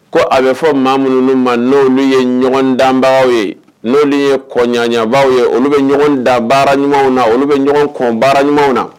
Ko a bɛ fɔ maa minnuu ma n' ye ɲɔgɔn dabaa ye n'o ye kɔyabaa ye olu bɛ ɲɔgɔn dabaa ɲuman na olu bɛ ɲɔgɔn kɔnbaa ɲuman na